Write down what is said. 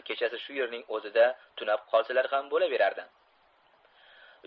kechasi shu yeming o'zida tunab qolsalar ham bo'laverardi